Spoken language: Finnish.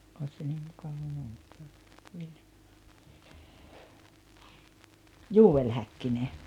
olisi se niin mukava muistaa Joel Häkkinen